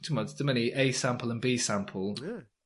...t'mod dyma ni a sample and bee sample. Ie.